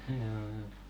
joo joo